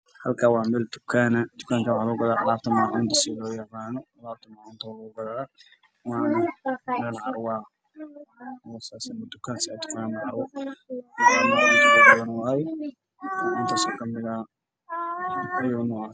Hoosaan oo meel dukaan ah waxaana lagu gadaa maacuunta beeshana waa meel car kuwo ah